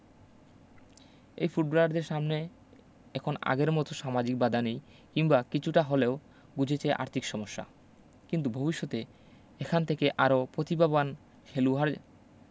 এই ফুটবলারদের সামনে এখন আগের মতো সামাজিক বাদা নেই কিংবা কিছুটা হলেও গুচেছে আর্তিক সমস্যা কিন্তু ভবিষ্যতে এখান থেকে আরও পতিবাবান খেলুয়াড়